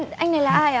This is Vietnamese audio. anh này là ai ạ